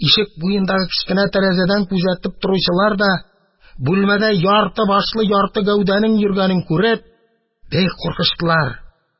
Ишек буендагы кечкенә тәрәзәдән күзәтеп торучылар да, бүлмәдә ярты башлы ярты гәүдәнең йөргәнен күреп, бик куркыштылар.